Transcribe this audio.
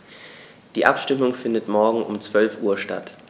Die Abstimmung findet morgen um 12.00 Uhr statt.